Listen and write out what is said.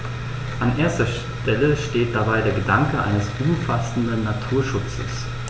An erster Stelle steht dabei der Gedanke eines umfassenden Naturschutzes.